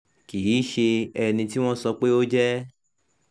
Kì í ṣe ẹni tí wọ́n sọ pé ó jẹ́.